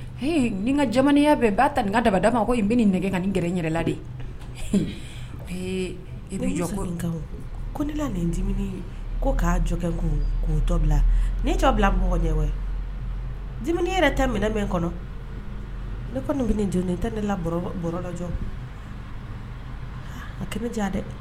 Nin n kaya bɛ'a ta nin ka daba da ma ko bɛ nin nɛgɛ ka nin n gɛrɛ yɛrɛla de i ko ne la nin ko k' jɔ kɛ k'tɔ bila nii jɔ bila mɔgɔ di yɛrɛ tɛ minɛɛnɛ bɛ n kɔnɔ ne kɔni bɛ nin jɔ tɛ nelajɔ a i bɛ diya dɛ